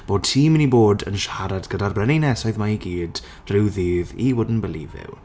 bod ti'n mynd i bod yn siarad gyda'r brenhinesoedd 'ma i gyd rhyw ddydd, he wouldn't believe you.